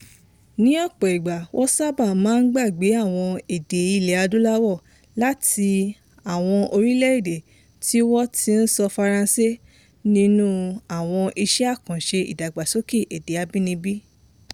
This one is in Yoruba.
Ní ọ̀pọ̀ ìgbà, wọ́n sábà máa ń gbàgbé àwọn èdè ilẹ̀ Adúláwọ̀ láti àwọn orílẹ̀-èdè tí wọ́n ti ń sọ Faransé nínú àwọn iṣẹ́ àkànṣe ìdàgbàsókè èdè abínibí.